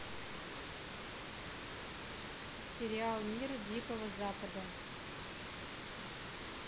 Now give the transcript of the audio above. сериал мир дикого запада